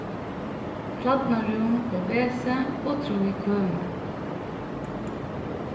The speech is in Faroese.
klædnarúm og vesi og trý kømur